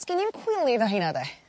'sgen i 'im cwilydd o heina 'de.